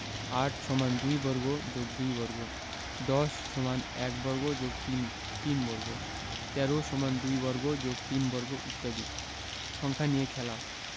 ৮ = ২ বর্গ + ২ বর্গ ১০ = ১ বর্গ + ৩ ৩ বর্গ ১৩ = ২ বর্গ + ৩ বর্গ ইত্যাদি সংখ্যা নিয়ে খেলা